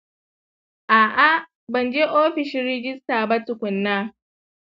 a’a, ban je ofishin rajista ba tukuna.